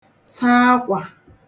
sa akwà